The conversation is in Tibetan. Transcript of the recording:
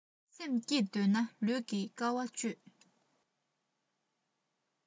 སེམས སྐྱིད འདོད ན ལུས ཀྱི དཀའ བ སྤྱོད